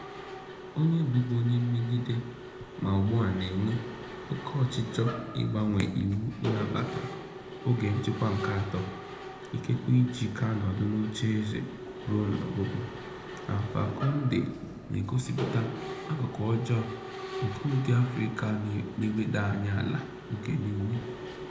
Onye bụbu onye mmegide, ma ugbu a na-enwe oke ochịchọ ịgbanwe iwu ịnabata oge nchịkwa nke atọ, ikekwe iji ka nọdụ n'oche eze ruo n'ọgwụgwụ, Alpha Condé na-egosipụta akụkụ ọjọọ nke ụdị Afịrịka na-eweda anyị ala oge niile.